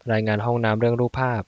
รายงานห้องน้ำเรื่องรูปภาพ